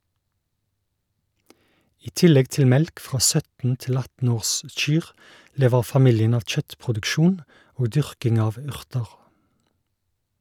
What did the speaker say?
I tillegg til melk fra 17-18 årskyr, lever familien av kjøttproduksjon og dyrking av urter.